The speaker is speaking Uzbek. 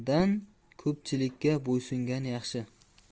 ko'pchilikka bo'ysungan yaxshi